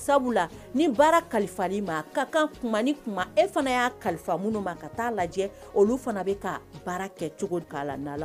Sabula ni baara kalifal'i ma a ka kan tuma ni tuma e fana y'a kalifa minnu ma ka ta'a lajɛ olu fana bɛ ka baara kɛ cogo k'a la nala